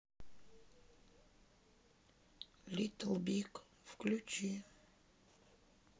литтл биг включи